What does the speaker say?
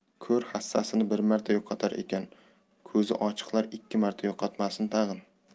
ko'r hassasini bir marta yo'qotar ekan ko'zi ochiqlar ikki marta yo'qotmasin tag'in